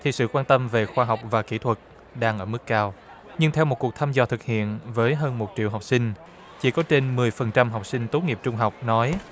thì sự quan tâm về khoa học và kỹ thuật đang ở mức cao nhưng theo một cuộc thăm dò thực hiện với hơn một triệu học sinh chỉ có trên mười phần trăm học sinh tốt nghiệp trung học nói